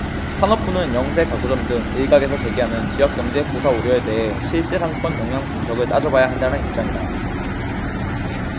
산업부는 영세 가구점 등 일각에서 제기하는 지역경제 고사 우려에 대해 실제 상권 영향분석을 따져봐야 한다는 입장이다